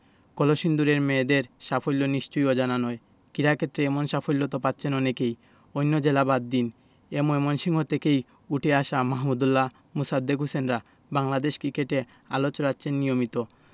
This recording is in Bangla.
কলসিন্দুরের মেয়েদের সাফল্য নিশ্চয়ই অজানা নয় ক্রীড়াক্ষেত্রে এমন সাফল্য তো পাচ্ছেন অনেকেই অন্য জেলা বাদ দিন এ ময়মনসিংহ থেকেই উঠে আসা মাহমুদউল্লাহ মোসাদ্দেক হোসেনরা বাংলাদেশ ক্রিকেটে আলো ছড়াচ্ছেন নিয়মিত